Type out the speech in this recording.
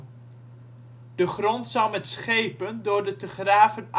grond zal met schepen door de te graven